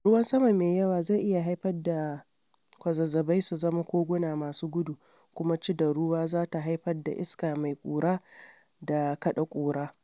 Ruwan sama mai yawa zai iya haifar da kwazazzaɓai su zama koguna masu gudu kuma cidar ruwa za ta haifar da iska mai ƙura da kaɗa ƙura.